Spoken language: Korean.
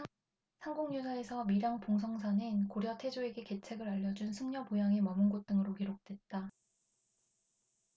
삼국유사에서 밀양 봉성사는 고려 태조에게 계책을 알려준 승려 보양이 머문 곳 등으로 기록됐다